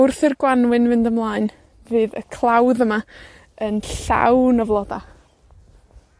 Wrth i'r Gwanwyn fynd ymlaen, fydd y clawdd yma yn llawn o floda.